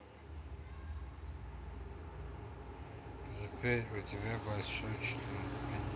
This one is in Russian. сбер у тебя большой член